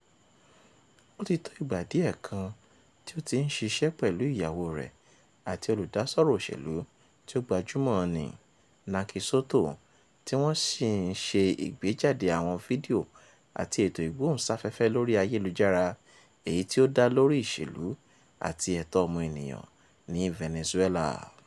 Ó ti tó ìgbà díẹ̀ kan tí ó ti ń ṣiṣẹ́ pẹ̀lú ìyàwó rẹ̀ àti olùdásọ́rọ̀ òṣèlú tí ó gbajúmọ̀ n nì, Naky Soto, tí wọn sì ń ṣe ìgbéjáde àwọn fídíò àti ètò Ìgbóhùnsáfẹ́fẹ́ lórí ayélujára èyí tí ó dá lórí ìṣèlú àti ẹ̀tọ́ ọmọ ènìyàn ní Venezuela.